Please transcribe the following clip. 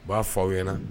U ba fɔ aw ɲɛna.